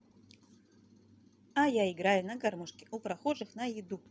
а я играю на гармошке у прохожих на еду